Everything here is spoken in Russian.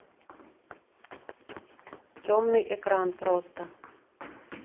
темный экран просто